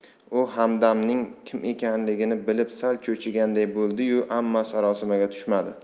u hamdamning kim ekanligini bilib sal cho'chiganday bo'ldi yu ammo sarosimaga tushmadi